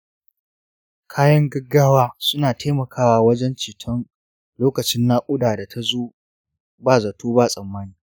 kayan gaggawa suna taimakawa wajen ceton lokacin nakuda da ta zo ba zato ba tsammani.